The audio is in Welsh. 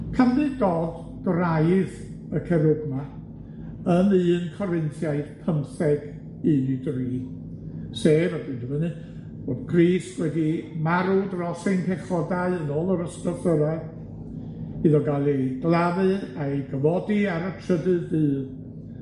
Canfydd Dodd graidd y Cerwgma yn un Corinthiaid pymtheg un i dri, sef, a dwi'n dyfynnu, bod Grist wedi marw dros ein pechodau yn ôl yr ysgrythura, iddo ga'l ei gladdu a'i gyfodi ar y trydydd dydd,